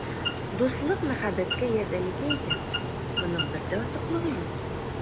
Дуслык мәхәббәткә ярдәм итә икән, моның бер дә артыклыгы юк.